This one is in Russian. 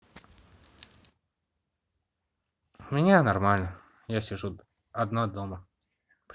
у меня нормально я сижу одна дома